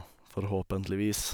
Forhåpentligvis.